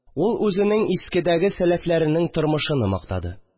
Ул үзенең искедәге сәләфләренең тормышыны мактады